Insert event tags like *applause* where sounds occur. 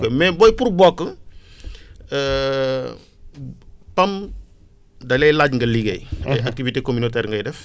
que mais bon pour bokk *breath* *hesitation* PAM da lay laaj nga liggéey *noise* ay activités communautaires ngay def